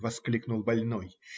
- воскликнул больной.